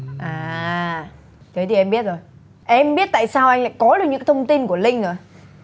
à thế thì em biết rồi em biết tại sao anh lại có được những thông tin của linh rồi